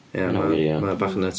Ia, ma' o, mae bach yn nuts.